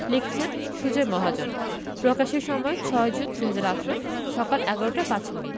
লিখেছেন সুজয় মহাজন প্রকাশের সময় ৬জুন ২০১৮ সকাল ১১টা ৫ মিনিট